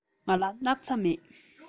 ང ལ སྣག ཚ མེད